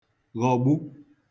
ghọgbu